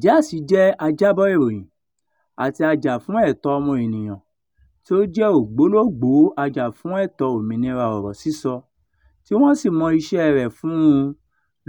Díaz jẹ́ ajábọ̀ ìròyìn àti a-jà-fún-ẹ̀tọ́-ọmọ ènìyàn tí ó jẹ́ ògbólógbòó ajàfúnẹ̀tọ́ òmìnira ọ̀rọ̀ sísọ tí wọ́n sì mọ ìṣe rẹ̀ fún un